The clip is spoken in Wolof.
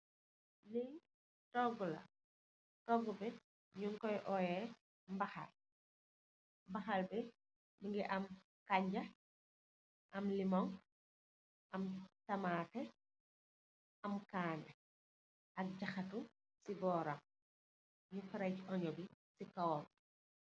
Li togu la, togu bi, nyun koi oyeh, mbahal. Mbahal bi, mungi am kanja, am limong, am tamateh, am kaneh, ak jahatou si boram. Nyu ferej onion bi si kawam.